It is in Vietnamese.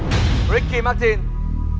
rích ki mác tin